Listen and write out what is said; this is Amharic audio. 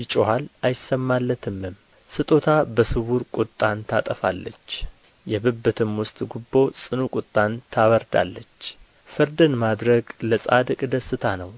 ይጮኻል አይሰማለትምም ስጦታ በስውር ቍጣን ታጠፋለች የብብትም ውስጥ ጉቦ ጽኑ ቍጣን ታበርዳለች ፍርድን ማድረግ ለጻድቅ ደስታ ነው